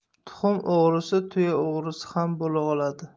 tuxum o'g'risi tuya o'g'risi ham bo'la oladi